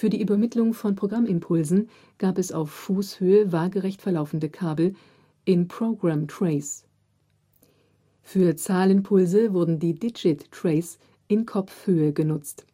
die Übermittlung von Programmimpulsen gab es auf Fußhöhe waagerecht verlaufende Kabel in Program Trays, für Zahlenpulse wurden die Digit Trays in Kopfhöhe genutzt